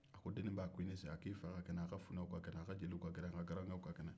a ko deniba i ni sɛ i fa ka kɛnɛ aw ka funɛw ka kɛnɛ aw ka jeliw ka kɛnɛ aw ka garankew ka kɛnɛ